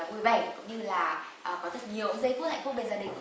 vẻ cũng như là có thật nhiều giây phút hạnh phúc bên gia đình